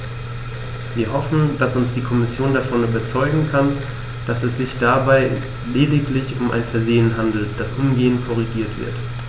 Wir hoffen, dass uns die Kommission davon überzeugen kann, dass es sich dabei lediglich um ein Versehen handelt, das umgehend korrigiert wird.